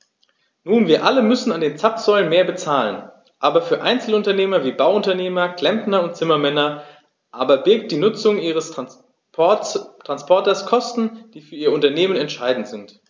Nun wir alle müssen an den Zapfsäulen mehr bezahlen, aber für Einzelunternehmer wie Bauunternehmer, Klempner und Zimmermänner aber birgt die Nutzung ihres Transporters Kosten, die für ihr Unternehmen entscheidend sind.